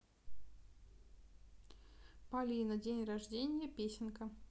полина день рождения песенка